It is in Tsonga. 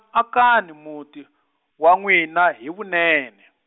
akani muti, wa n'wina hi vunene.